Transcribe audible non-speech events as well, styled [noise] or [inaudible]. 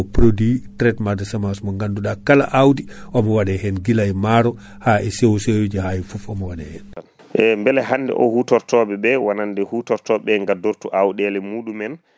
calminama on beltanama no feewi no biruɗa ni tan ko [hesitation] mine artunoɗo hande [breath] gam kaadi bawen yewtude e produit kaadi mo ɓoyɗen nande mo puɗɗiɗe andude kaadi biyateɗo Aprostar